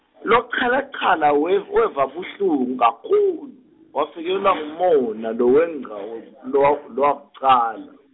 Lochalachala wev- weva buhlungu kakhulu, wafikelwa ngumona, lowengca wol-, lowa lowakucala.